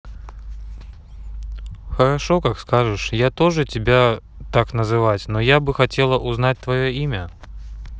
хорошо как скажешь я тоже тебя так называть но я бы хотела узнать твое имя